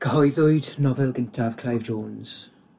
Cyhoeddwyd nofel gyntaf Clive Jones